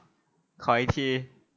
ขออีกที